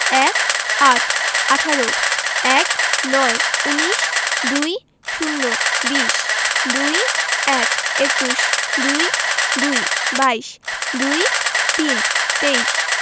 ১৮ আঠারো ১৯ উনিশ ২০ বিশ ২১ একুশ ২২ বাইশ ২৩ তেইশ